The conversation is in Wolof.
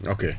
ok